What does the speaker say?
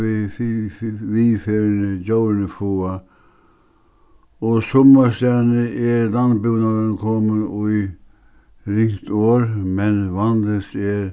viðferðini djórini fáa og summastaðni er landbúnaðurin komin í ringt orð men vanligast er